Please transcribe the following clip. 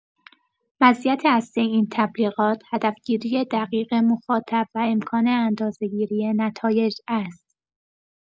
مزیت اصلی این تبلیغات، هدف‌گیری دقیق مخاطب و امکان اندازه‌گیری نتایج است.